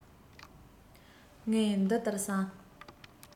ངས འདི ལྟར བསམ